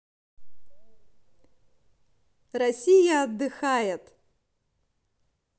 россия отдыхает